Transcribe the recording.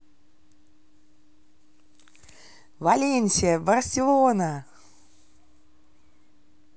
валенсия барселона